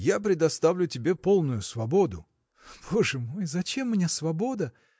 Я предоставляю тебе полную свободу. – Боже мой! зачем мне свобода?